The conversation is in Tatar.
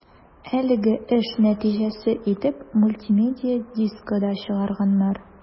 Әлеге эш нәтиҗәсе итеп мультимедия дискы да чыгарганнар.